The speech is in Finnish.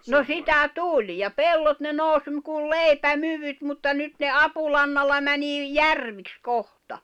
no sitä tuli ja pellot ne nousi - kuin leipämykyt mutta nyt ne apulannalla menee järviksi kohta